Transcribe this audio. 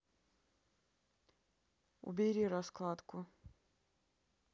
убери раскладку